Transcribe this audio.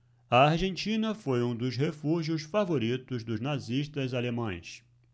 a argentina foi um dos refúgios favoritos dos nazistas alemães